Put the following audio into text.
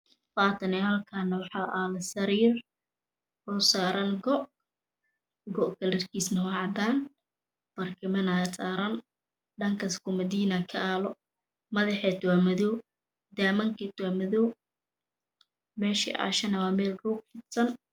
Mashan wax yalo sarir wax saran go kalar waa cadan barkin aasaran dhankas wax kayalo kubadiin dahamanka waa madow